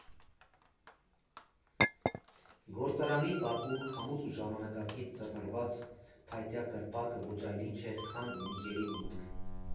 Գործարանի բակում՝ քամուց ու ժամանակից ծռմռված փայտյա կրպակը ոչ այլ ինչ է, քան բունկերի մուտք։